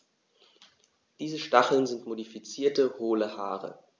Diese Stacheln sind modifizierte, hohle Haare.